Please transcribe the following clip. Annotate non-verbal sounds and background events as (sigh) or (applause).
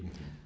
(hesitation) (hesitation)